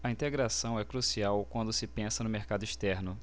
a integração é crucial quando se pensa no mercado externo